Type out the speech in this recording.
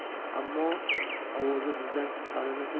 ammo ovoza bizdan chiqqanini